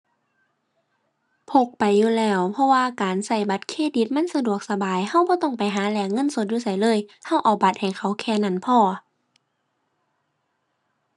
พกไปอยู่แล้ว เพราะว่าการใช้บัตรเครดิตมันสะดวกสบาย ใช้บ่ต้องไปหาแลกเงินสดอยู่ไสเลย ใช้เอาบัตรให้เขาแค่นั้นพอ